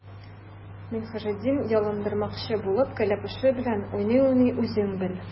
Минһаҗетдин, ялындырмакчы булып, кәләпүше белән уйный-уйный:— Үзең бел!